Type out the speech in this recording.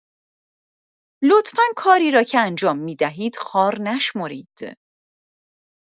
لطفا کاری را که انجام می‌دهید خوار نشمرید.